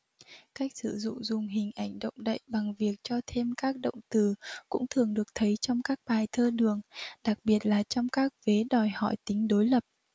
cách sử dụng dùng hình ảnh động đậy bằng việc cho thêm các động từ cũng thường được thấy trong các bài thơ đường đặc biệt là trong các vế đòi hỏi tính đối lập